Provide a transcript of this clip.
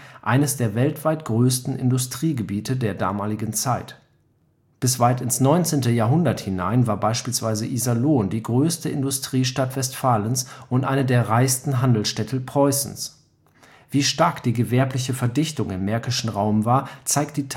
eines der weltweit größten Industriegebiete der damaligen Zeit. Bis weit ins 19. Jahrhundert hinein war beispielsweise Iserlohn die größte Industriestadt Westfalens und eine der reichsten Handelsstädte Preußens. Wie stark die gewerbliche Verdichtung im märkischen Raum war, zeigt die Tatsache